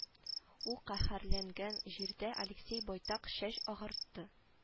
Ул каһәрләнгән җирдә алексей байтак чәч агартты